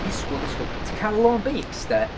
Disgwyl, disgwyl. Ti'n cael lôn beics 'de?